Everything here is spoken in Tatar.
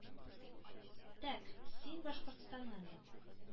Тәк, син Башкортстаннан бит